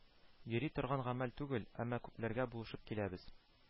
Йөри торган гамәл түгел, әмма күпләргә булышып киләбез